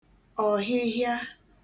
ọ̀hịhịa